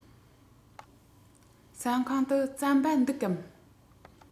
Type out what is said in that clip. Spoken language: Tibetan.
ཟ ཁང དུ རྩམ པ འདུག གམ